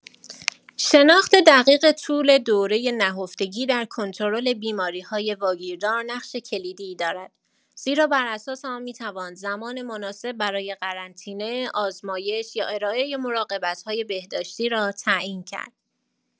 شناخت دقیق طول دوره نهفتگی در کنترل بیماری‌های واگیردار نقش کلیدی دارد، زیرا بر اساس آن می‌توان زمان مناسب برای قرنطینه، آزمایش، یا ارائه مراقبت‌های بهداشتی را تعیین کرد.